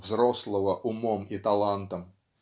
взрослого умом и талантом.